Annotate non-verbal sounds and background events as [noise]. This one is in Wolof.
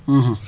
[hesitation] [hesitation]